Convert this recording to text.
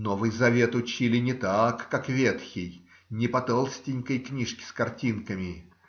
Новый завет учили не так, как ветхий, не по толстенькой книжке с картинками.